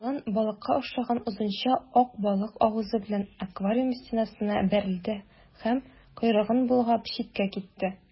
Елан балыкка охшаган озынча ак балык авызы белән аквариум стенасына бәрелде һәм, койрыгын болгап, читкә китте.